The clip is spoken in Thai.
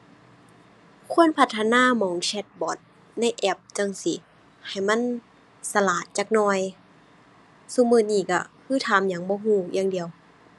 ควรพัฒนาหม้องแชตบอต ในแอปจั่งซี้ ให้มันฉลาดจักหน่อย ซุมื้อนี้ก็คือถามหยังบ่ก็อย่างเดียว